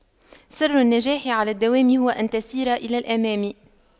سر النجاح على الدوام هو أن تسير إلى الأمام